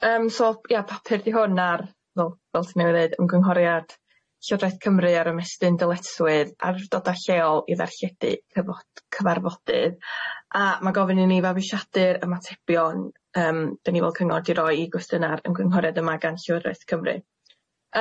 Yym so ia papur 'di hwn ar fel fel ti newydd ddeud ymgynghoriad Llywodraeth Cymru ar ymestyn dyletswydd ardudoda lleol i ddarlledu cyfod- cyfarfodydd a ma' gofyn i ni fabwyshiadu'r ymatebion yym 'dan ni fel cyngor 'di roi i gwestiyna'r ymgynghoriad yma gan Llywodraeth Cymru.